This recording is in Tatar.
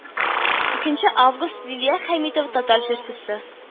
Икенче август лилия хәмитова, татар җырчысы